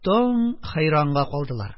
Таң хәйранга калдылар.